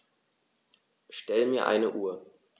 Stell mir eine Uhr.